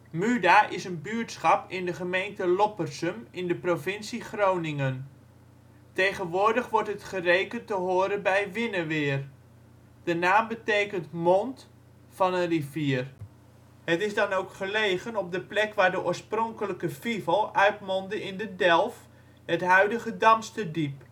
Muda is een buurtschap in de gemeente Loppersum in de provincie Groningen. Tegenwoordig wordt het gerekend te behoren bij Winneweer. De naam betekent mond (van een rivier). Het is dan ook gelegen op de plek waar de oorspronkelijke Fivel uitmondde in de Delf, het huidige Damsterdiep